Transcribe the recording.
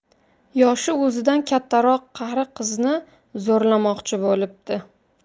yoshi o'zidan kattaroq qari qizni zo'rlamoqchi bo'libdi